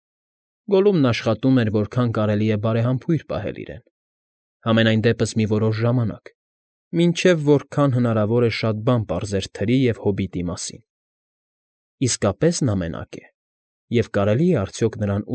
Գոլլումն աշխատում էր որքան կարելի է բարեհամբույր պահել իրեն, համենայն դեպս մի որոշ ժամանակ, մինչև որքան հնարավոր է շատ բան պարզեր թրի և հոբիտի մասին. իսկապե՞ս նա մենակ է և կարելի՞ է արդյոք նրան։